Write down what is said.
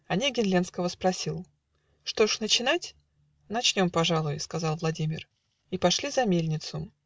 Онегин Ленского спросил: "Что ж, начинать?" - Начнем, пожалуй, - Сказал Владимир. И пошли За мельницу.